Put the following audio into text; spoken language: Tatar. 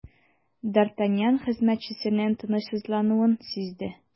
Д’Артаньян хезмәтчесенең тынычсызлануын сизде.